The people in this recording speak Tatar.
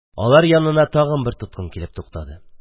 Алар янына тагын бер тоткын килеп туктады